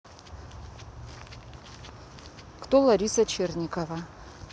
кто лариса черникова